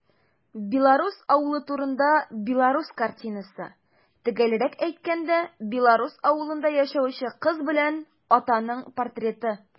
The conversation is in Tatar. Белорус авылы турында белорус картинасы - төгәлрәк әйткәндә, белорус авылында яшәүче кыз белән атаның портреты.